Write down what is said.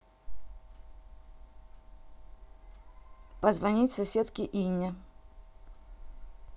позвонить соседке инне